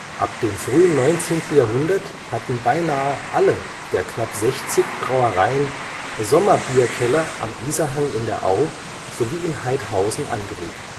Ab dem frühen 19. Jahrhundert hatten beinahe alle der knapp 60 Brauereien Sommerbierkeller am Isarhang in der Au sowie in Haidhausen angelegt